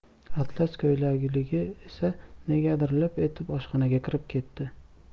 atlas ko'ylakligi esa negadir lip etib oshxonaga kirib ketdi